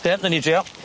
Ie nawn ni drio.